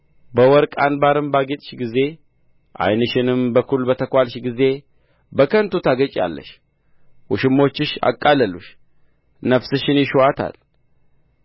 በወርቅ አንባርም ባጌጥሽ ጊዜ ዓይንሽንም በኩል በተኳልሽ ጊዜ በከንቱ ታጌጫለሽ ውሽሞችሽ አቃለሉሽ ነፍስሽን ይሹአታል